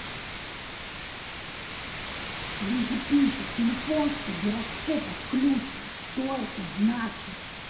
мне пишет телефон что гироскоп отключен что это значит